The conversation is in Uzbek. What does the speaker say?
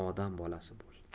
odam bolasi bo'l